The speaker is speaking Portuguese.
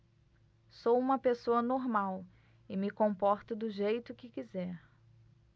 sou homossexual e me comporto do jeito que quiser